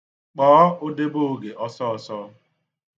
Kpọọ òdeboògè ọsọọsọ.